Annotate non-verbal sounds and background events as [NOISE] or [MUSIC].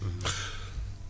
[HESITATION] [HESITATION] [BREATH]